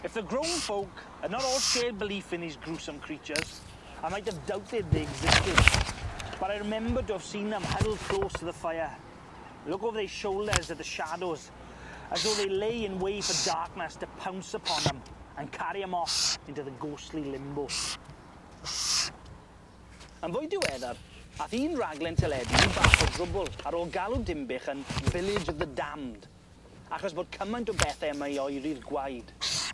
If the grown folk are not all shared belief in these gruesome creatures, I might ave doubted they existed but I remembered to have seen them huddled close to the fire, look over their shoulders at the shadows as though they lay in way for darkness to pounce upon em, and carry em off into the ghostly limbo. Yn fwy diweddar, ath un raglen teledu i bach o drwbwl ar ôl galw Dinbych yn village of the damned, achos bod cymaint o bethe yma i oeri'r gwaed.